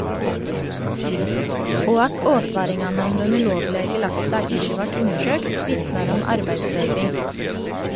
Og at åtvaringane om den ulovlege lasta ikkje vart undersøkt, vitnar om arbeidsvegring.